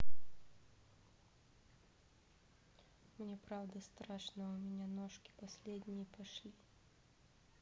мне правда страшно у меня ножки последние пошли